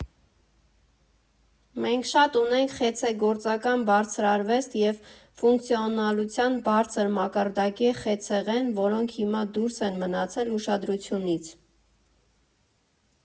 Մենք շատ ունենք խեցեգործական բարձրարվեստ և ֆունկցիոնալության բարձր մակարդակի խեցեղեն, որոնք հիմա դուրս են մնացել ուշադրությունից։